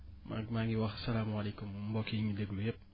maa maa ngi wax salaamaalikum mbokk yi ñuy déglu yépp